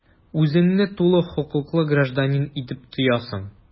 Үзеңне тулы хокуклы гражданин итеп тоясың.